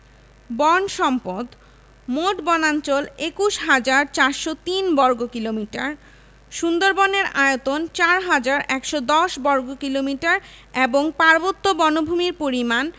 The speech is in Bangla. Shamshernagar STOL port Moulvibazar Comilla STOL port Lalmonirhat STOL port Thakurgaon STOL port